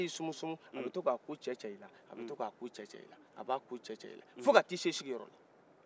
a b'i sumu sumu a bɛ toka ku cɛcɛ i la a bɛ toka ku cɛcɛ i la a b'a ku cɛcɛ i la fo kata t'i se i sigiyɔrɔla